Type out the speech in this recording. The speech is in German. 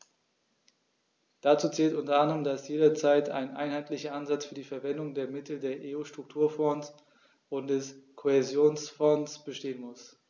Dazu zählt u. a., dass jederzeit ein einheitlicher Ansatz für die Verwendung der Mittel der EU-Strukturfonds und des Kohäsionsfonds bestehen muss.